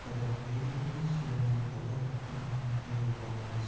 yomon bola ota onaga boqmas